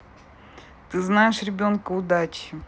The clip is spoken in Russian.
ты знаешь ребенка удачи